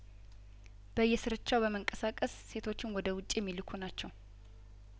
በየስርቻው በመንቀሳቀስ ሴቶችን ወደ ውጪ የሚልኩ ናቸው